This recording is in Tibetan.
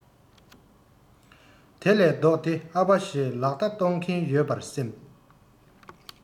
དེ ལས ལྡོག སྟེ ཨ ཕ ཞེས ལག བརྡ གཏོང གི ཡོད པར སེམས